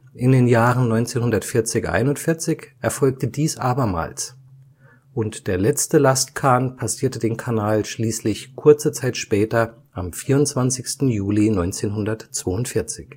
In den Jahren 1940 / 41 erfolgte dies abermals. Und der letzte Lastkahn passierte den Kanal schließlich kurze Zeit später am 24. Juli 1942